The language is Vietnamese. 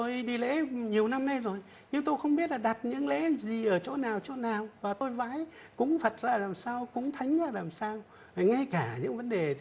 tôi đi lễ nhiều năm nay rồi nhưng tôi không biết là đặt những lễ gì ở chỗ nào chỗ nào và tôi vái cúng phật ra làm sao cúng thánh ra làm sao mà ngay cả những vấn đề